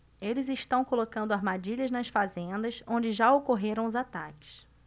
eles estão colocando armadilhas nas fazendas onde já ocorreram os ataques